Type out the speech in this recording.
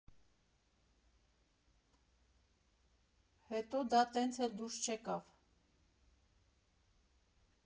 Հետո դե տենց էլ դուրս չեկավ։